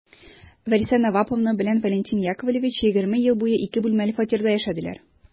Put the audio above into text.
Вәриса Наваповна белән Валентин Яковлевич егерме ел буе ике бүлмәле фатирда яшәделәр.